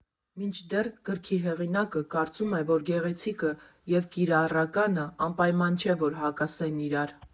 Մինչդեռ գրքի հեղինակը կարծում է, որ գեղեցիկը և կիրառականը անպայման չէ, որ հակասեն իրար.